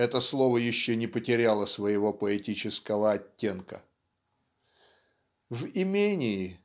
это слово еще не потеряло своего поэтического оттенка". В имении